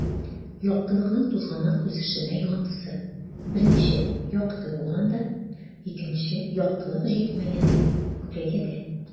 Яктылыкның тузганак үсешенә йогынтысы: 1 - якты булганда; 2 - яктылык җитмәгәндә (күләгәдә)